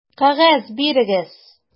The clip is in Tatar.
Кәгазь бирегез!